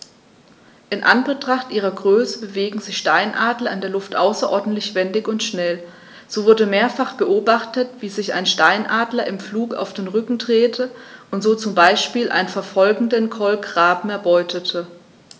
In Anbetracht ihrer Größe bewegen sich Steinadler in der Luft außerordentlich wendig und schnell, so wurde mehrfach beobachtet, wie sich ein Steinadler im Flug auf den Rücken drehte und so zum Beispiel einen verfolgenden Kolkraben erbeutete.